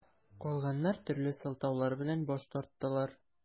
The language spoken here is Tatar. Калганнар төрле сылтаулар белән баш тарттылар.